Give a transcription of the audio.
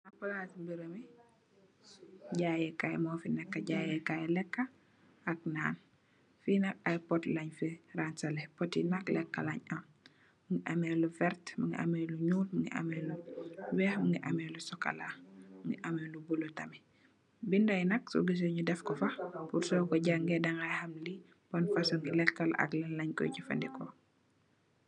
Plase mereme jaye kaye mufe neka jaye kaye leka ak naan fe nak aye pot lenfe ransale pot ye nak leka len am muge ameh lu verte muge ameh lu nuul muge ameh lu weex muge ameh lu sukola muge ameh lu bulo tamin beda ye nak su gisse nu def kufa purr soku jange dagay ham le ban fosunge leka ak lan lenkoye jafaneku.